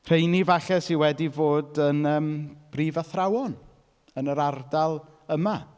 Rheini falle sy wedi fod yn, yym, brif athrawon yn yr ardal yma.